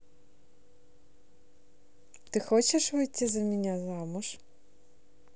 ты хочешь выйти за меня замуж